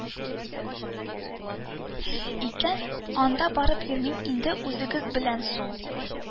Икән, анда барып йөрмим инде, үзегез белән су